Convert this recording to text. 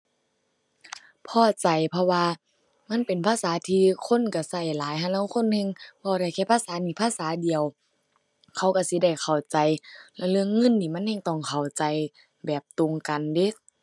พอใจ เพราะว่ามันเป็นภาษาที่คนก็ก็หลาย ห่าลางคนแฮ่งเว้าได้แค่ภาษานี้ภาษาเดียว เขาก็สิได้เข้าใจ แล้วเรื่องเงินนี่มันแฮ่งต้องเข้าใจแบบตรงกันเดะ